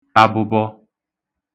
abụbọ